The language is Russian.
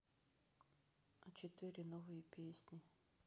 а четыре новые песни